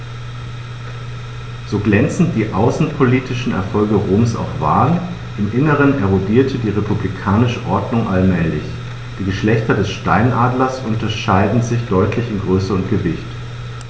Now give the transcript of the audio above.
So glänzend die außenpolitischen Erfolge Roms auch waren: Im Inneren erodierte die republikanische Ordnung allmählich. Die Geschlechter des Steinadlers unterscheiden sich deutlich in Größe und Gewicht.